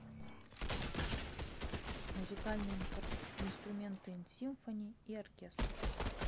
музыкальные инструменты из symphony и оркестр